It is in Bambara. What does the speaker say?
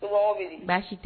Mi baasi tɛ